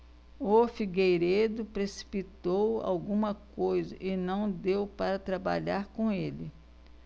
o figueiredo precipitou alguma coisa e não deu para trabalhar com ele